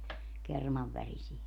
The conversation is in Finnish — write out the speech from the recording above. kerman värisiä